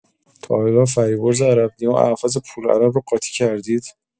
تا حالا فریبرز عرب‌نیا و ابوالفضل پورعرب رو قاطی کردید؟